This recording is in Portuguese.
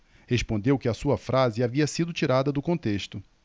respondeu que a sua frase havia sido tirada do contexto